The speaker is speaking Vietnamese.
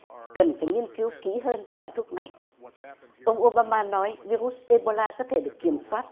cần phải nghiên cứu kỹ hơn loại thuốc này ông ô ba ma nói vi rút ê bô la có thể kiểm soát